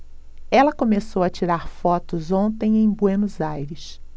ela começou a tirar fotos ontem em buenos aires